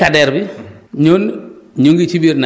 bon prévision décadaire bi